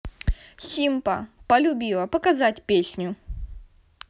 симпа полюбила показать песню